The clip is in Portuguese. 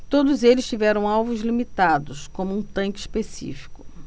todos eles tiveram alvos limitados como um tanque específico